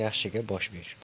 yaxshiga bosh ber